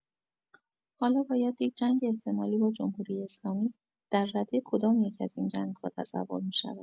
حالا باید دید جنگ احتمالی با جمهوری‌اسلامی در رده کدام‌یک از این جنگ‌ها تصور می‌شود.